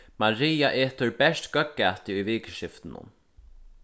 maria etur bert góðgæti í vikuskiftinum